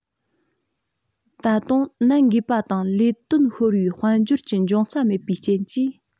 ད དུང ནད འགོས པ དང ལས དོན ཤོར བའི དཔལ འབྱོར གྱི འབྱུང རྩ མེད པའི རྐྱེན གྱིས